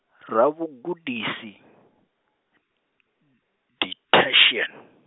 ravhugudisi, ditatian.